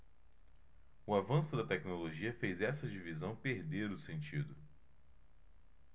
o avanço da tecnologia fez esta divisão perder o sentido